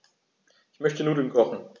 Ich möchte Nudeln kochen.